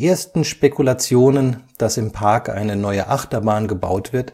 ersten Spekulationen, dass im Park eine neue Achterbahn gebaut wird,